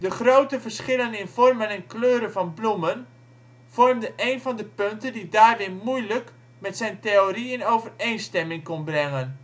grote verschillen in vormen en kleuren van bloemen vormden een van de punten die Darwin moeilijk met zijn theorie in overeenstemming kon brengen